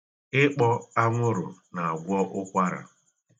Ịkpọ anwụrụ na-agwọ ụkwara.